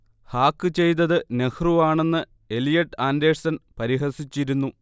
hack ചെയ്തത് നെഹ്റു ആണെന്ന് Elliott Alderson പരിഹസിച്ചിരുന്നു